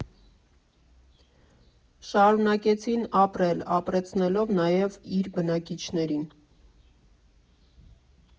Շարունակեցին ապրել՝ ապրեցնելով նաև իր բնակիչներին։